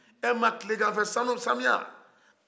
ɛ nka a tilema fɛ san nɔ sanmiya